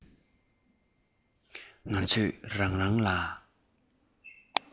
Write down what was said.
ང ཚོས རང རང ལ